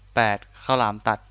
แปดข้าวหลามตัด